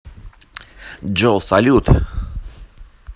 джой салют